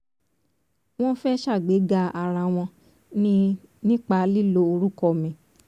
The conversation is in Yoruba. "Wọn fẹ́ ṣàgbéga ara wọn ni nípa lílo orúkọ mi.